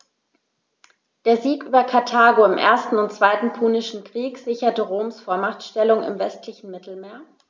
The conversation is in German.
Der Sieg über Karthago im 1. und 2. Punischen Krieg sicherte Roms Vormachtstellung im westlichen Mittelmeer.